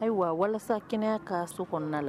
Ayiwa walasa kɛnɛ ka so kɔnɔna la